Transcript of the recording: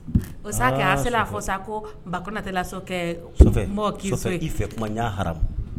O sa ase fɔ sa tɛ fɛ kuma